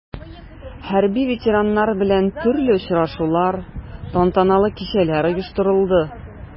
Хәрби ветераннар белән төрле очрашулар, тантаналы кичәләр оештырылды.